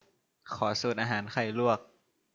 ขอสูตรอาหารไข่ลวก